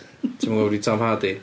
Ti ddim yn gwbo' pwy 'di Tom Hardy?